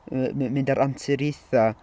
m- m- mynd ar anturiaethau...